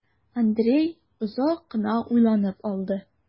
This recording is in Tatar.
Андрей озак кына уйланып алды.